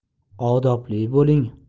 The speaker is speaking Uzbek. odobli bo'ling